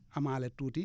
amaale tuuti